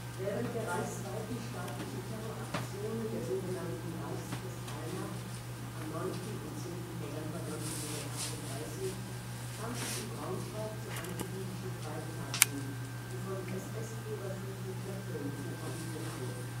Während der reichsweiten staatlichen Terroraktionen der sogenannten „ Reichskristallnacht “am 9. und 10. November 1938 kam es in Braunschweig zu antijüdischen Gewalttaten, die von SS-Führer Friedrich Jeckeln koordiniert wurden